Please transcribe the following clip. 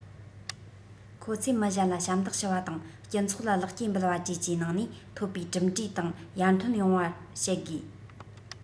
ཁོ ཚོས མི གཞན ལ ཞབས འདེགས ཞུ བ དང སྤྱི ཚོགས ལ ལེགས སྐྱེས འབུལ བ བཅས ཀྱི ནང ནས ཐོབ པའི གྲུབ འབྲས དང ཡར ཐོན ཡོང བ བྱེད དགོས